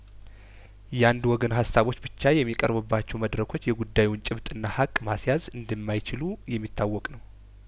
ያንድ ወገን ሀሳቦች ብቻ የሚቀርቡባቸው መድረኮች የጉዳዩን ጭብጥና ሀቅ ማስያዝ እንደማይችሉ የሚታወቅ ነው